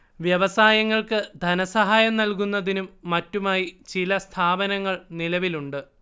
വ്യവസായങ്ങൾക്ക് ധനസഹായം നല്കുന്നതിനും മറ്റുമായി ചില സ്ഥാപനങ്ങൾ നിലവിലുണ്ട്